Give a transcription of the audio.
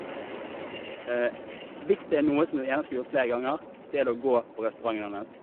Hvis det er noe som jeg gjerne skulle gjort flere ganger, så er det å gå på restauranten hans.